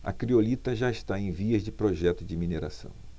a criolita já está em vias de projeto de mineração